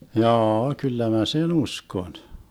jaa kyllä minä sen uskon